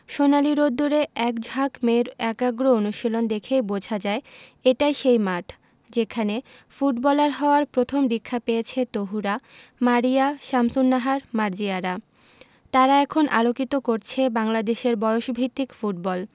সোনালি রোদ্দুরে একঝাঁক মেয়ের একাগ্র অনুশীলন দেখেই বোঝা যায় এটাই সেই মাঠ যেখানে ফুটবলার হওয়ার প্রথম দীক্ষা পেয়েছে তহুরা মারিয়া শামসুন্নাহার মার্জিয়ারা তারা এখন আলোকিত করছে বাংলাদেশের বয়সভিত্তিক ফুটবল